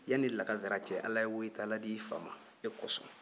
yanni lansara cɛ ala ye weta di i fa